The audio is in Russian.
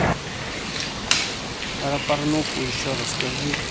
про порнуху еще расскажи